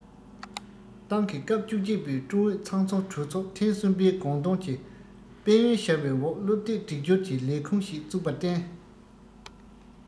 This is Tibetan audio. ཏང གི སྐབས བཅུ གཅིག པའི ཀྲུང ཨུ ཚང འཛོམས གྲོས ཚོགས ཐེངས གསུམ པའི དགོངས དོན གྱི དཔལ ཡོན ཤར བའི འོག སློབ དེབ སྒྲིག སྦྱོར གྱི ལས ཁུངས ཤིག བཙུགས པར བརྟེན